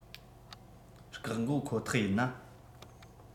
སྐག འགོ ཁོ ཐག ཡིན ན